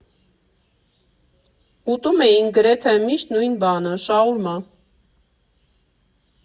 Ուտում էինք գրեթե միշտ նույն բանը՝ շաուրմա։